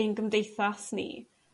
ein gymdeithas ni